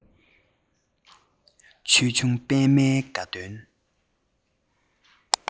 ཆོས འབྱུང པད མའི དགའ སྟོན